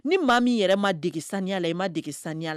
Ni maa min yɛrɛ ma dege sanya la i ma dege saniya la